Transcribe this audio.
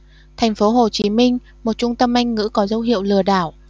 thành phố hồ chí minh một trung tâm anh ngữ có dấu hiệu lừa đảo